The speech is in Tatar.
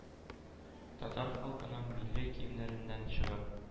Татар халкының милли киемнәреннән чыгып,